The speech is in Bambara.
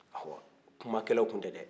awɔ kuma kɛlaw tun tɛ dɛ